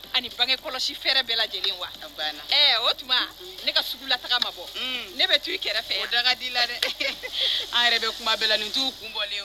Ani bange kɔlɔsi fɛrɛɛrɛ bɛɛ lajɛlen wa? A bana, O tuma ne ka sugula taga ma bɔ, un, ne bɛ t'i kɛrɛfɛ yan, o da ka di la dɛ, an yɛrɛ bɛ kuma bɛɛ la nin t'u kun bɔlen ye wa